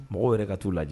Mɔgɔ yɛrɛ ka taa'o lajɛ